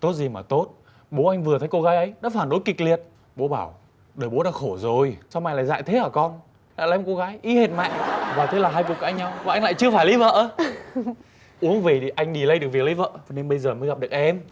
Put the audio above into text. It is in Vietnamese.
tốt gì mà tốt bố anh vừa thấy cô gái ấy đã phản đối kịch liệt bố bảo đời bố đã khổ rồi sao mày dại thế hả con lại lấy một cô gái i hệt mẹ và thế là hai bố cãi nhau và anh lại chưa phải lấy vợ uống về thì anh đì lây được việc lấy vợ nên bây giờ mới gặp được em